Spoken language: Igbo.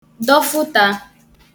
dọfụtā